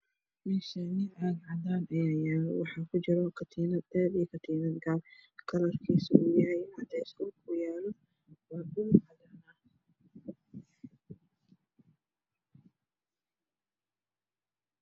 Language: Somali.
Meeshaan caag cadaan ah ayaa yaalo waxaa kujiro katiinad dheer iyo katiinad gaaban kalarkiisu waa cadeys dhulkuna waa cadaan.